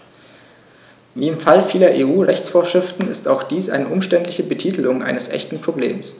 Wie im Fall vieler EU-Rechtsvorschriften ist auch dies eine umständliche Betitelung eines echten Problems.